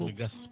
ko gass